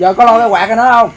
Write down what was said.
giờ có lôi cái quạt ra cho nó không